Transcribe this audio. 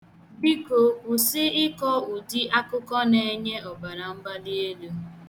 Biko, kwụsị ịkọ ụdị akụkọ na-enye ọbaramgbalielu